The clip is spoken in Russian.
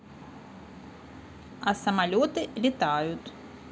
а самолеты летают